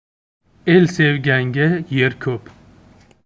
ei sevganga yer ko'p